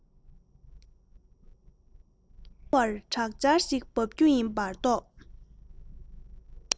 མི འགྱང བར དྲག ཆར ཞིག དབབ རྒྱུ ཡིན པ རྟོགས